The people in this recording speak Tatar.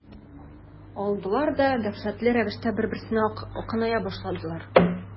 Алдылар да дәһшәтле рәвештә бер-берсенә якыная башладылар.